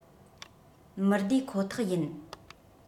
མི བདེ ཁོ ཐག ཡིན